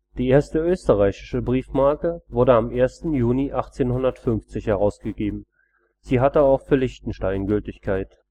Die erste österreichische Briefmarke wurde am 1. Juni 1850 herausgegeben. Sie hatte auch für Liechtenstein Gültigkeit